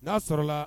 N'a sɔrɔla